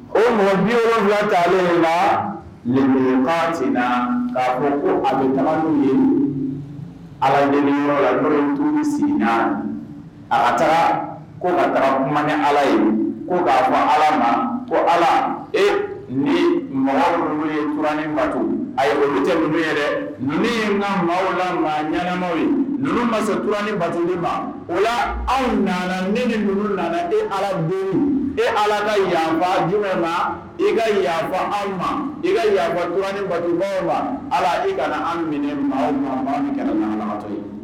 O mɔgɔ ni wɔɔrɔwula talen nka le sen k'a fɔ ko a bɛ kalan ye ala yɔrɔ la duuru sina ala taara ko ka mali ala ye ko k'a fɔ ala ma ko ala ee ni malo ye kuranin bato a ye o tɛ minnu ye ni ka maa ɲanama ye ninnu ma kuranin bato ma wala aw nana ni ni ŋ nana e ala e ala ka yanfa jumɛn ma i kafa an ma i ka yaafauranin bauma ma ala i kana an minɛ maato